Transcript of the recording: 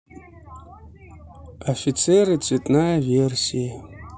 офицеры цветная версия